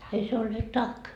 ei se ole tack